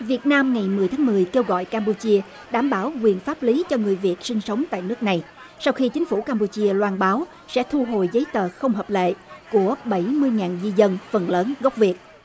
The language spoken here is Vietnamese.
việt nam ngày mười tháng mười kêu gọi cam pu chia đảm bảo quyền pháp lý cho người việt sinh sống tại nước này sau khi chính phủ campuchia loan báo sẽ thu hồi giấy tờ không hợp lệ của bảy mươi ngàn di dân phần lớn gốc việt